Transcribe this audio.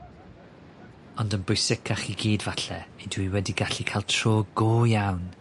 Ond yn bwysicach i gyd falle dwi wedi gallu ca'l tro go iawn